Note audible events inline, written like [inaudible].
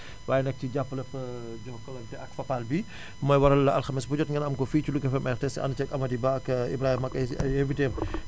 [inhales] waaye nag ci jàppaleg [hesitation] Jokalante ak Fapal bi [inhales] mooy waral alxemes bu jot ngeen am ko fii ci Louga FM RTS ànd ceeg Amady Ba ak Ibrahima ak [noise] ay invités [noise] wam